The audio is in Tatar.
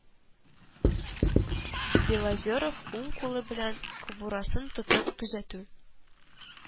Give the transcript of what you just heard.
Белозеров, уң кулы белән кобурасын тотып, күзәтү